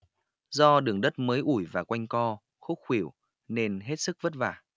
do đường đất mới ủi và quanh co khúc khuỷu nên hết sức vất vả